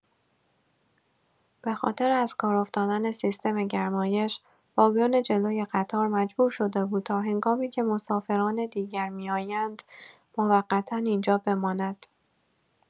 به‌خاطر از کار افتادن سیستم گرمایش واگن جلوی قطار مجبور شده بود تا هنگامی‌که مسافران دیگر می‌آیند موقتا اینجا بماند.